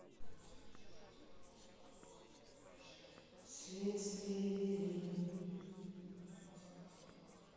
следствие вели